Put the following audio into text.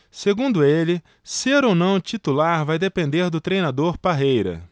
segundo ele ser ou não titular vai depender do treinador parreira